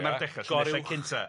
Dyma'r dechra llinellau cynta...